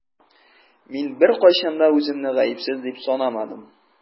Мин беркайчан да үземне гаепсез дип санамадым.